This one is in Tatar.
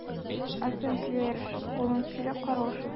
Атым килә ярашып, кулым килә карышып.